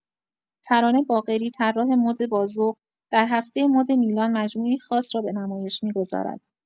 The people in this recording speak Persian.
ترانه باقری، طراح مد با ذوق، در هفته مد میلان مجموعه‌ای خاص را به نمایش می‌گذارد.